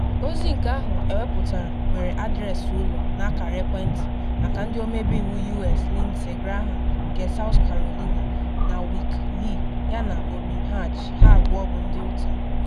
Ozi nke ahụ ewepụtara nwere adreesị ụlọ na akara ekwentị maka Ndị Ọmebe Iwu U.S Lindsey Graham nke South Carolina, na Mike Lee yana Orrin Hatch, ha abụọ bụ ndị Utah.